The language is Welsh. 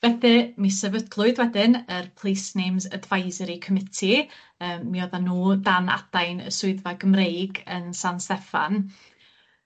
Felly mi sefydlwyd wedyn yr Place Names Advisory Committee yym mi oddan nw dan adain y swyddfa Gymreig yn San Steffan